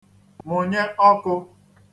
mụ̀nye ọkụ̄